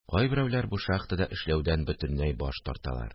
Кайберәүләр бу шахтада эшләүдән бөтенләй баш тарталар